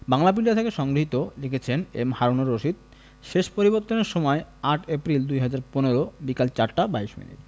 বাংলাপিডিয়া থেকে সংগ্রহীত লিখেছেন এম হারুনুর রশিদ শেষ পরিবর্তনের সময়ঃ ৮ এপ্রিল ২০১৫ বিকেল ৪টা ২২ মিনিট